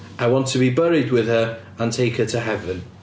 I want to be buried with her and take her to heaven.